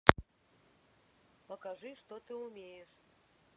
покажи что ты умеешь